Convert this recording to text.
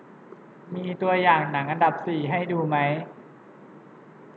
มีตัวอย่างหนังอันดับสี่ให้ดูไหม